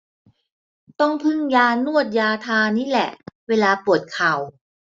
ต้องพึ่งยานวดยาทานี่แหละเวลาปวดเข่า